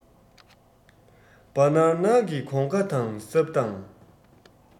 སྦ ནར ནག གི གོང ཁ དང སྲབ གདང